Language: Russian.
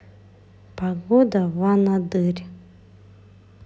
погода в анадырь